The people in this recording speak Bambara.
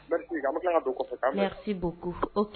An bɛ tila ka don kɔfɛbugu